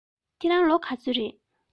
ཁྱེད རང ལོ ག ཚོད རེད